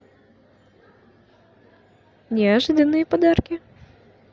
неожиданные подарки